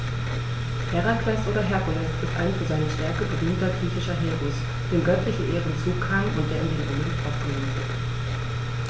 Herakles oder Herkules ist ein für seine Stärke berühmter griechischer Heros, dem göttliche Ehren zukamen und der in den Olymp aufgenommen wurde.